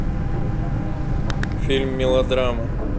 фильм мелодрама